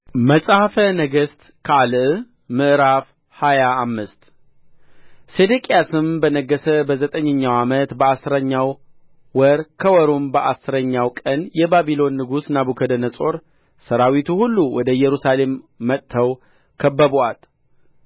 መጽሐፈ ነገሥት ካልዕ ምዕራፍ ሃያ አምስት ሴዴቅያስም በነገሠ በዘጠኝኛው ዓመት በአሥረኛው ወር ከወሩም በአሥረኛው ቀን የባቢሎን ንጉሥ ናቡከደነፆርና ሠራዊቱ ሁሉ ወደ ኢየሩሳሌም መጥተው ከበቡአት